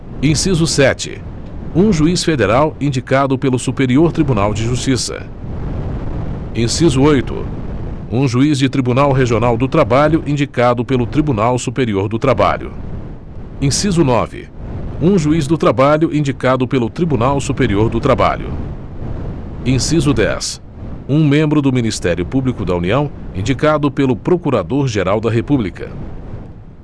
inciso sete um juiz federal indicado pelo superior tribunal de justiça inciso oito um juiz de tribunal regional do trabalho indicado pelo tribunal superior do trabalho inciso nove um juiz do trabalho indicado pelo tribunal superior do trabalho inciso dez um membro do ministério público da união indicado pelo procurador geral da república